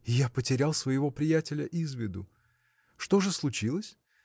и я потерял своего приятеля из виду. Что же случилось?